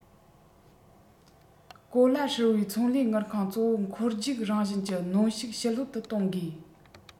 གོ ལ ཧྲིལ པོའི ཚོང ལས དངུལ ཁང གཙོ བོ འཁོར རྒྱུག རང བཞིན གྱི གནོན ཤུགས ཞི ལྷོད དུ གཏོང དགོས